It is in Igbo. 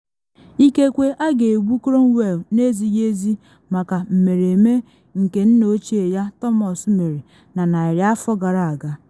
Ikekwe a ga-egbu Cromwell na ezighi ezi maka mmereme nke nna ochie ya Thomas mere na narị afọ gara aga.